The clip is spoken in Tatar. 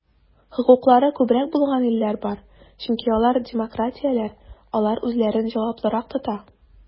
Хокуклары күбрәк булган илләр бар, чөнки алар демократияләр, алар үзләрен җаваплырак тота.